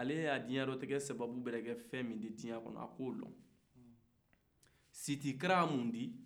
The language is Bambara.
ale ka duniyalatigɛ sabu manakɛ fɛn mun ye a k'o don sitikalan ye mun ye